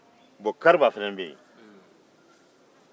bɔn kariba fana bɛ yen